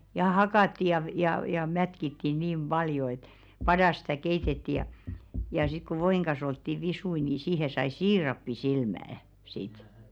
ja hakattiin ja - ja ja ja mätkittiin niin paljon että padassa sitä keitettiin ja ja sitten kun voin kanssa oltiin visuja niin siihen sai siirappisilmän sitten